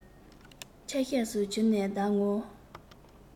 ཆ ཤས སུ གྱུར ནས ཟླ ངོ